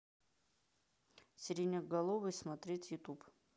сиреноголовый смотреть ютуб